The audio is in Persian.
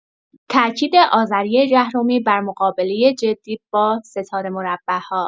تاکید آذری جهرمی بر مقابله جدی با «ستاره مربع‌ها»